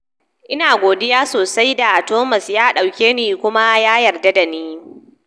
Ina godiya sosai da Thomas ya dauke ni kuma ya yarda da ni.